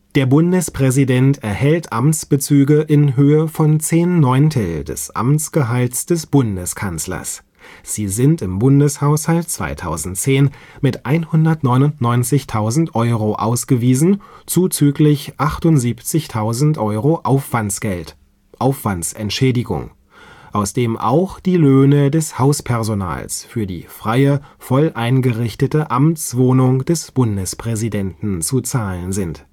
Der Bundespräsident erhält Amtsbezüge in Höhe von 10/9 des Amtsgehalts des Bundeskanzlers. Sie sind im Bundeshaushalt 2010 mit 199.000 Euro ausgewiesen zuzüglich 78.000 Euro Aufwandsgeld (Aufwandsentschädigung), aus dem auch die Löhne des Hauspersonals für die freie, voll eingerichtete Amtswohnung des Bundespräsidenten zu zahlen sind